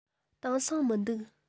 དེང སང མི འདུག